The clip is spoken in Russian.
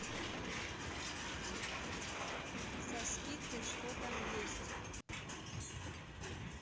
со скидкой что там есть